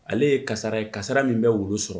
Ale ye kasara ye kasara min bɛ wo